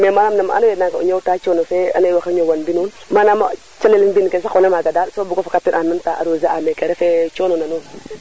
mais manam nam ando ye naga o ñoowta coono fe ando naye waxey ñowan mbinuun manam calel mbin ke saqona maga daal so bugo fokat teen en meme temps arroser a meke refe coono na nuun